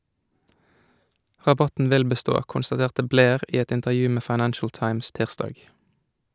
Rabatten vil bestå, konstaterte Blair i et intervju med Financial Times tirsdag.